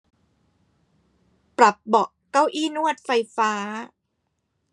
ปรับเบาะเก้าอี้นวดไฟฟ้า